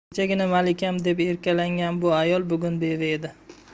kechagina malikam deb erkalangan bu ayol bugun beva edi